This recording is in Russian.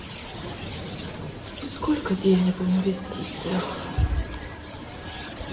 сколько денег в инвестициях